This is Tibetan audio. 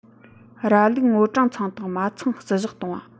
ར ལུག ངོ གྲངས ཚང དང མ ཚང བརྩི བཞག གཏོང བ